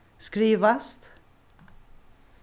skrivast